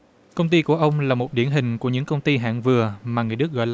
công ty của ông là một điển hình của những công ty hạng vừa mà người đức gọi